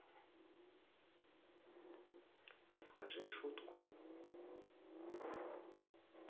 расскажи шутку